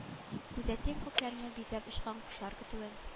Күзәтим күкләрне бизәп очкан кошлар көтүен